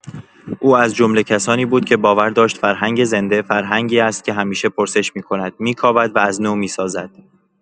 او از جمله کسانی بود که باور داشت فرهنگ زنده، فرهنگی است که همیشه پرسش می‌کند، می‌کاود و از نو می‌سازد.